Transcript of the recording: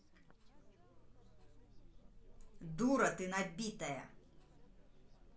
дура ты набитая